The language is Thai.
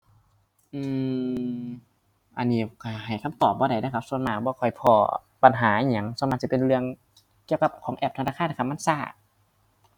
อือ อันนี้ก็ให้คำตอบบ่ได้เด้อครับ ส่วนมากบ่ค่อยพ้อปัญหาอิหยัง ส่วนมากจะเป็นเรื่องเกี่ยวกับของแอปธนาคารครับ มันก็